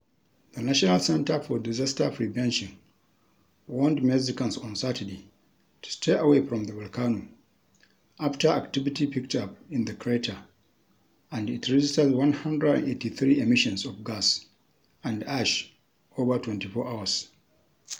The National Center for Disaster Prevention warned Mexicans on Saturday to stay away from the volcano after activity picked up in the crater and it registered 183 emissions of gas and ash over 24 hours.